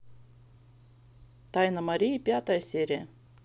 тайна марии пятая серия